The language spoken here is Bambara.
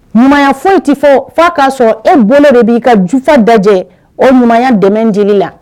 Ɲuman ya foyi ti fɔ, fa ka sɔrɔ e bolo de b'i ka jufa da jɛ o ɲumaya dɛmɛ dili la.